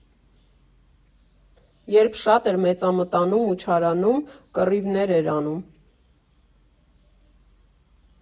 Երբ շատ էր մեծամտանում ու չարանում՝ կռիվներ էր անում։